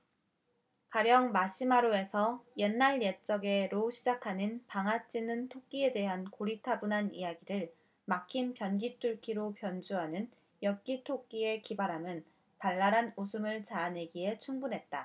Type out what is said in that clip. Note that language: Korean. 가령 마시마로 에서 옛날 옛적에 로 시작하는 방아 찧는 토끼에 대한 고리타분한 이야기를 막힌 변기뚫기로 변주하는 엽기토끼의 기발함은 발랄한 웃음을 자아내기에 충분했다